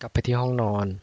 กลับไปที่ห้องนอน